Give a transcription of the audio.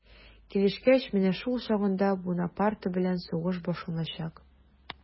Килешкәч, менә шул чагында Бунапарте белән сугыш башланачак.